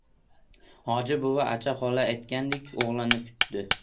hoji buvi acha xola aytganidek o'g'lini kutdi